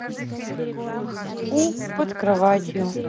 у под кроватью